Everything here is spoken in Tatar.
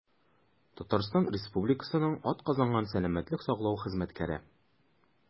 «татарстан республикасының атказанган сәламәтлек саклау хезмәткәре»